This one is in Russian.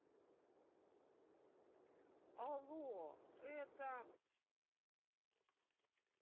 алло это